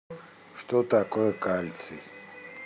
что такое кальций